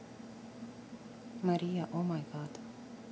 мария о май гад